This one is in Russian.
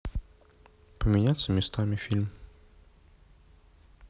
поменяться местами фильм